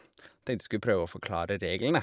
Tenkte jeg skulle prøve å forklare reglene.